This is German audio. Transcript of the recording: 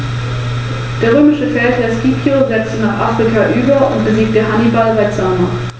Felsnester in Schottland maßen im Mittel 1,33 m x 1,06 m und waren 0,79 m hoch, Baumhorste in Schweden hatten im Mittel einen Durchmesser von 1,4 m und waren 1,1 m hoch.